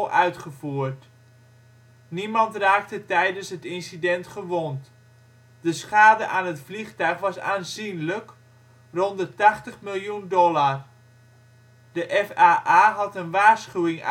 uitgevoerd. Niemand raakte tijdens het incident gewond. De schade aan het vliegtuig was aanzienlijk (+/- 80 miljoen $). De FAA had een waarschuwing